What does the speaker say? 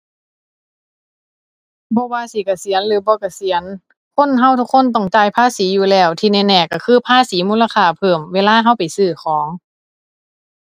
บ่ว่าสิเกษียณหรือบ่เกษียณคนเราทุกคนต้องจ่ายภาษีอยู่แล้ว ที่แน่แน่เราคือภาษีมูลค่าเพิ่ม เวลาเราไปซื้อของ